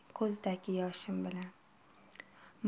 ko'zdagi yoshim bilan